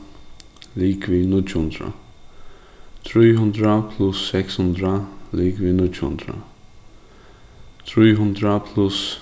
ligvið níggju hundrað trý hundrað pluss seks hundrað ligvið níggju hundrað trý hundrað pluss